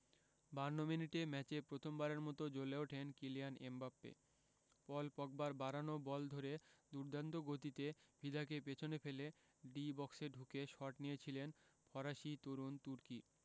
৫২ মিনিটে ম্যাচে প্রথমবারের মতো জ্বলে উঠেন কিলিয়ান এমবাপ্পে পল পগবার বাড়ানো বল ধরে দুর্দান্ত গতিতে ভিদাকে পেছনে ফেলে ডি বক্সে ঢুকে শট নিয়েছিলেন ফরাসি তরুণ তুর্কি